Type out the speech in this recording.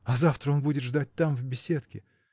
” А завтра он будет ждать там, в беседке.